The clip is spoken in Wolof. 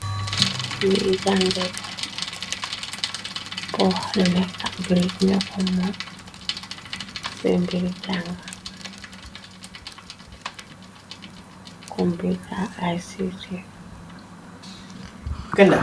li jàngejeera poxlnekabrig ñokomo cé mbiri jàng computa ict